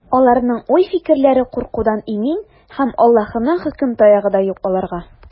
Аларның уй-фикерләре куркудан имин, һәм Аллаһының хөкем таягы да юк аларга.